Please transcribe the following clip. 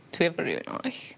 dwi efo rywun arall